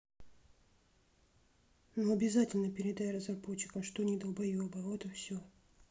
но обязательно передай разработчикам что они долбоебы вот и все